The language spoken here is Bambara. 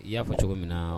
I y'a fɔ cogo min na